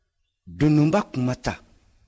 dununba kumata